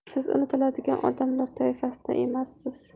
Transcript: siz unutiladigan odamlar toifasidan emassiz